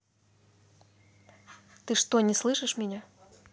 ты что не слышишь меня